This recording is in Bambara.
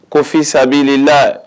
Kofin sɛbɛnlila